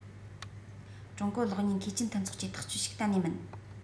ཀྲུང གོ གློག བརྙན མཁས ཅན མཐུན ཚོགས གྱི ཐག གཅོད ཞིག གཏན ནས མིན